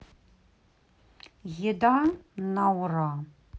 еда на ура